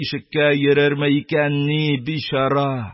Ишеккә йөрерме икәнни, бичара?!